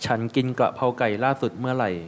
ฉันกินกะเพราไก่ล่าสุดเมื่อไหร่